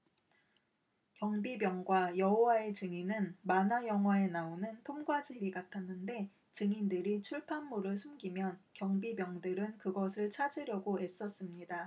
경비병과 여호와의 증인은 만화 영화에 나오는 톰과 제리 같았는데 증인들이 출판물을 숨기면 경비병들은 그것을 찾으려고 애썼습니다